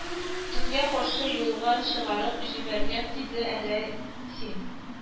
Төнгә каршы юлга чыгарып җибәргән диген әле син